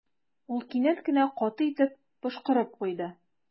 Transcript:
Ул кинәт кенә каты итеп пошкырып куйды.